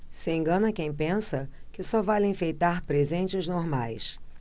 se engana quem pensa que só vale enfeitar presentes normais